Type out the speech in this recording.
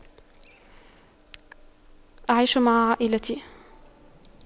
أعيش مع عائلتي